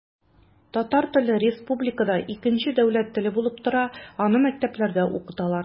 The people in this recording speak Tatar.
Татар теле республикада икенче дәүләт теле булып тора, аны мәктәпләрдә укыталар.